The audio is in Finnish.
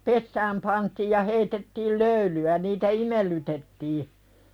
ja kuumaa pesään pantiin ja heitettiin löylyä niitä imellytettiin siellä - siinä kasossa